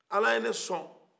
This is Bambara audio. ala ye ne sɔn